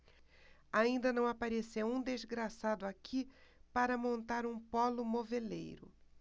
ainda não apareceu um desgraçado aqui para montar um pólo moveleiro